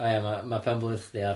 Oh yeah, ma' ma' penblwydd chdi ar...